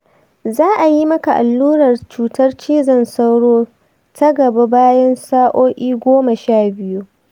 za a yi maka allurar cutar cizon sauro ta gaba bayan sa'o'i goma sha biyu.